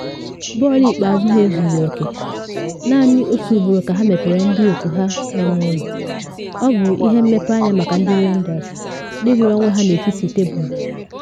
Bọọlụ ikpeazụ ha ezughi oke - naanị otu ugboro ka ha mepere ndị otu ahụ nọ n’ụlọ, ọ bụ ihe mmepe anya maka ndị Rangers, ndị hụrụ onwe ha n’etiti tebul.